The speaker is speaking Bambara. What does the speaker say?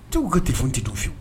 To u ka tɛ kunnafoni tɛ twu